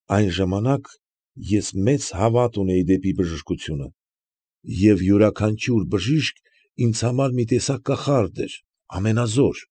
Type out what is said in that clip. Այն ժամանակ ես մեծ հավատ ունեի դեպի բժշկականությունը, և յուրաքանչյուր բժիշկ ինձ համար մի տեսակ կախարդ էր ամենազոր։